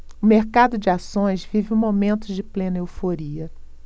o mercado de ações vive momentos de plena euforia